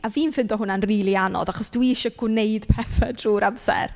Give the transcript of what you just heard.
A fi'n ffeindo hwnna'n rili anodd achos dwi isie gwneud pethe drwy'r amser.